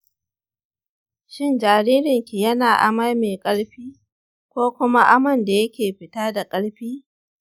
shin jarirnki yana amai mai karfi ko kuma aman da yake fita da karfi?